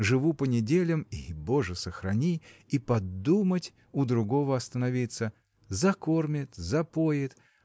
живу по неделям – и боже сохрани – и подумать у другого остановиться закормит запоит